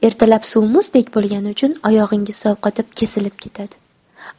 ertalab suv muzdek bo'lgani uchun oyog'ingiz sovqotib kesilib ketadi